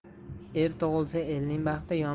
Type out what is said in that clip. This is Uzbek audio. er tug'ilsa elning baxti